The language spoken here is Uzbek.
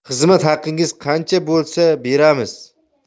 xizmat haqingiz qancha bo'lsa beramiz